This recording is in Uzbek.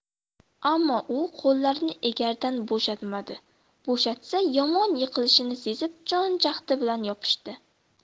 ammo u qo'llarini egardan bo'shatmadi bo'shatsa yomon yiqilishini sezib jon jahdi bilan yopishdi